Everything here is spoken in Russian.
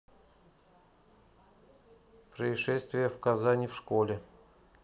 происшествия в казани в школе